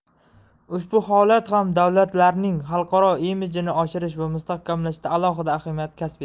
ushbu holat ham davlatlarning xalqaro imijini oshirish va mustahkamlashda alohida ahamiyat kasb etdi